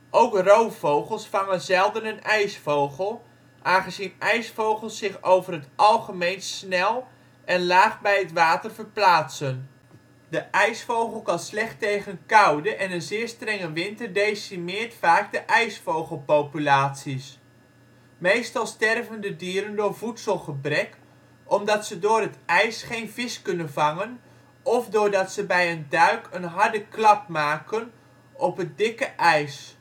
Ook roofvogels vangen zelden een ijsvogel, aangezien ijsvogels zich over het algemeen snel en laag bij het water verplaatsen. De ijsvogel kan slecht tegen koude en een zeer strenge winter decimeert vaak de ijsvogelpopulaties. Meestal sterven de dieren door voedselgebrek omdat ze door het ijs geen vis kunnen vangen of doordat ze bij een duik een harde klap maken op het dikke ijs